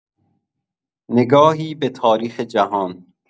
نگاهی به‌تاریخ جهان